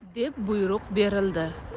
deb buyruq berildi